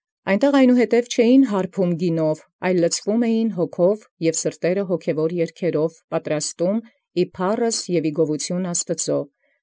Անդ էր այնուհետև չարբենալ գինւով, այլ առաւելուլ հոգւով, և պատրաստել զսիրտս երգովք հոգևորաւք, ի փառս և ի գովութիւն Աստուծոյ։